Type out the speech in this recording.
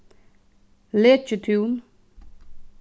lækjutún